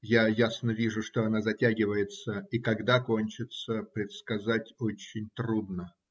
Я ясно вижу, что она затягивается, и когда кончится - предсказать очень трудно.